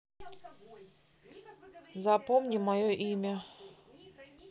запомни мое имя